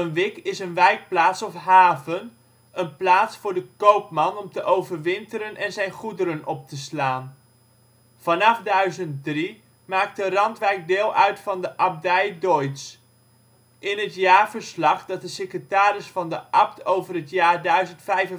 wic is een wijkplaats of haven, een plaats voor de koopman om te overwinteren en zijn goederen op te slaan. Vanaf 1003 maakte Randwijk deel uit van de Abdij Deutz. In het jaarverslag dat de secretaris van de abt over het jaar 1155-1156